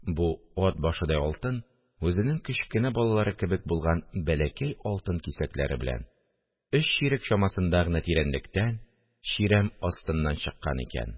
Бу «ат башыдай алтын» үзенең кечкенә балалары кебек булган бәләкәй алтын кисәкләре белән, өч чирек чамасында гына тирәнлектән, чирәм астыннан чыккан икән